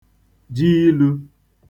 ji ilu